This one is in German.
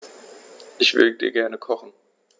Ich würde gerne kochen.